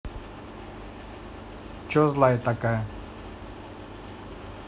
че такая злая